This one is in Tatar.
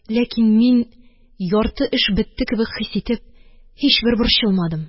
Ләкин мин, ярты эш бетте кебек хис итеп, һичбер борчылмадым